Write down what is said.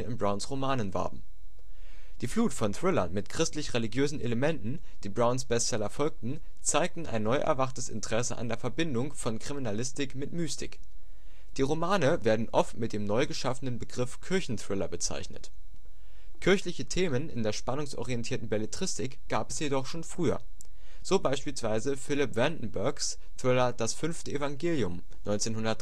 Browns Romanen warben. Die Flut von Thrillern mit christlich-religiösen Elementen, die Browns Bestseller folgten, zeigt eine neuerwachtes Interesse an der Verbindung von Kriminalistik mit Mystik. Die Romane werden oft mit dem neu geschaffenen Begriff „ Kirchenthriller “bezeichnet. Kirchliche Themen in der spannungsorientierten Belletristik gab es jedoch schon früher, so beispielsweise Philipp Vandenbergs Thriller „ Das Fünfte Evangelium “(1993